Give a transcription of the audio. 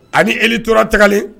Ani e tora tagalen